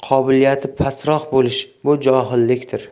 bo'lish qobiliyati pastroq bo'lish bu johillikdir